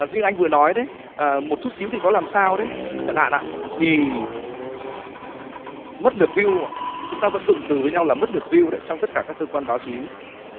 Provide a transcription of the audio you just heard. duy anh vừa nói đấy à một chút xíu thì có làm sao đấy chẳng hạn ạ thì mất lượt viu không ạ chúng ta vẫn dùng từ với nhau là mất lượt viu đấy trong tất cả các cơ quan báo chí